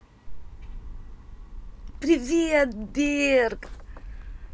привет берг